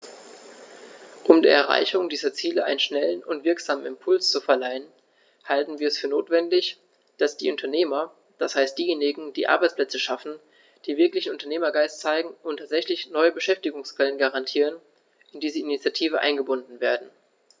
Um der Erreichung dieser Ziele einen schnellen und wirksamen Impuls zu verleihen, halten wir es für notwendig, dass die Unternehmer, das heißt diejenigen, die Arbeitsplätze schaffen, die wirklichen Unternehmergeist zeigen und tatsächlich neue Beschäftigungsquellen garantieren, in diese Initiative eingebunden werden.